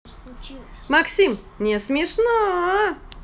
максим мне смешно